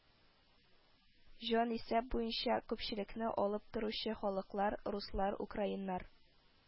Җанисәп буенча күпчелекне алып торучы халыклар: руслар украиннар